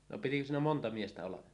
no pitikö siinä monta miestä olla